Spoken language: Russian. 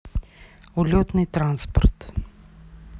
улетный транспорт